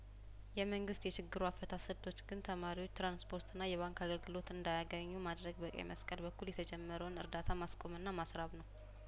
የመንግስት የችግሩ አፈታት ስልቶች ግን ተማሪዎች ትራንስፖርትና የባንክ አገልግሎት እንዳያገኙ ማድረግ በቀይመስቀል በኩል የተጀመረውን እርዳታ ማስቆምና ማስራብ ነው